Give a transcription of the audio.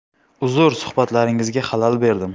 uzr suhbatlaringizga xalal berdim